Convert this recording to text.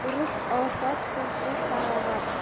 urush ofat tinchlik farog'at